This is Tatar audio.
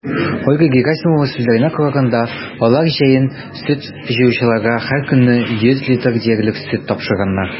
Ольга Герасимова сүзләренә караганда, алар җәен сөт җыючыларга һәркөнне 100 литр диярлек сөт тапшырганнар.